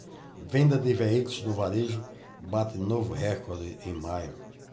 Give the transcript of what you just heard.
venda de veículos no varejo bate novo recorde em maio